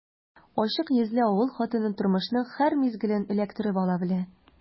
Ачык йөзле авыл хатыны тормышның һәр мизгелен эләктереп ала белә.